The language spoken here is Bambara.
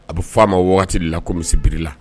A bɛ fɔ a ma o wagati de la ko misibiri la.